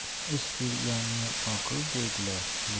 ish bilganni oqil deydilar